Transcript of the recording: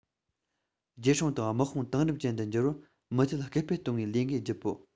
རྒྱལ སྲུང དང དམག དཔུང དེང རབས ཅན དུ འགྱུར བར མུ མཐུད སྐུལ སྤེལ གཏོང བའི ལས འགན ལྗིད པོ